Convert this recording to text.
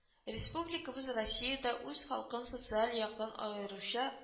Республикабыз россиядә үз халкын социаль яктан аеруча